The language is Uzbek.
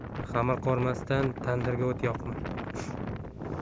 xamir qormasdan tandirga o't yoqma